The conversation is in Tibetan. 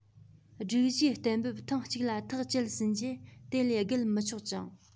སྒྲིག གཞིའི གཏན འབེབས ཐེངས གཅིག ལ ཐག བཅད ཟིན རྗེས དེ ལས བརྒལ མི ཆོག ཅིང